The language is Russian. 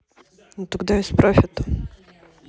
ну тогда исправь это